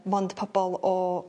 mond pobol o